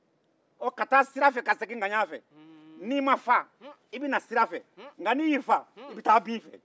n'i ma fa i bɛ na sira fɛ nka n'i y'i fa i bɛ taa bin fɛ